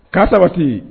K'a sabati